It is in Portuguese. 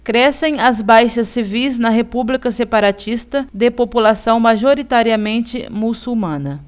crescem as baixas civis na república separatista de população majoritariamente muçulmana